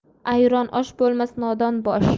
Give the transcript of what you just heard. ayron osh bo'lmas nodon bosh